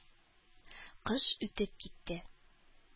Кыш үтеп китте.